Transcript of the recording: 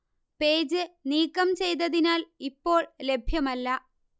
page നീക്കം ചെയ്തതിനാൽ ഇപ്പോൾ ലഭ്യമല്ല